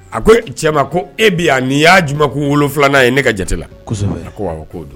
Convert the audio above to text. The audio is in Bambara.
A ko cɛ ko e bi yan n'i y'a juuma ko wolo filanan'a ye ne ka jatela ko ko o don